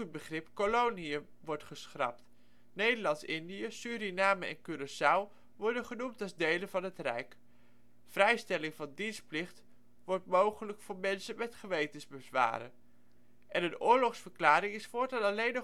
begrip koloniën wordt geschrapt, Nederlands-Indië, Suriname en Curaçao worden genoemd als delen van het Rijk. Vrijstelling van dienstplicht wordt mogelijk voor mensen met gewetensbezwaren. En een oorlogsverklaring is voortaan alleen